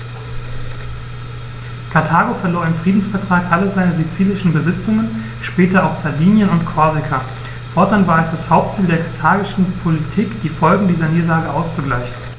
Karthago verlor im Friedensvertrag alle seine sizilischen Besitzungen (später auch Sardinien und Korsika); fortan war es das Hauptziel der karthagischen Politik, die Folgen dieser Niederlage auszugleichen.